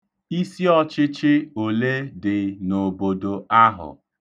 Isiọchịchị ole dị n'obodo ahụ?